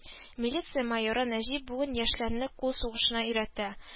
Милиция майоры Нәҗип бүген яшьләрне кул сугышына өйрәтә